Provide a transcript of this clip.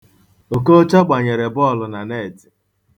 Okocha gbanyere bọọlụ na neetị.